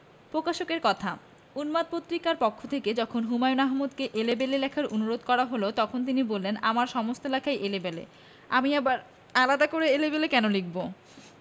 প্রকাশকের কথা উন্মাদ পত্রিকার পক্ষথেকে যখন হুমায়ন আহমেদকে 'এলেবেলে লেখার অনুরোধে করা হল তখন তিনি বললেন আমার সমস্ত লেখাই এলেবেলে আমি আবার আলাদা করে এলেবেলে কেন লিখব